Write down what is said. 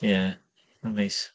Ie yn neis.